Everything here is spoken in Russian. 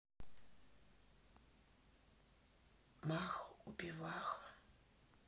маха убиваха